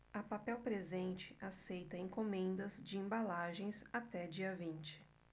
a papel presente aceita encomendas de embalagens até dia vinte